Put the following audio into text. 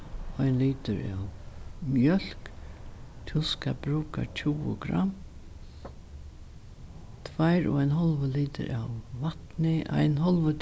ein litur av mjólk tú skal brúka tjúgu gramm tveir og ein hálvur litur av vatni ein hálvur